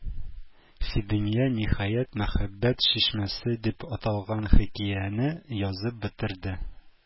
Фидания, ниһаять, "Мәхәббәт чишмәсе" дип аталган хикәяне язып бетерде.